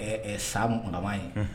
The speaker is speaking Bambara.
Ɛɛ sa mgdama ye